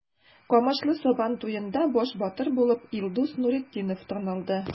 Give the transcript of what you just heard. Камышлы Сабан туенда баш батыр булып Илдус Нуретдинов танылды.